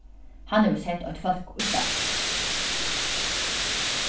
hann hevur sett eitt fólk í starv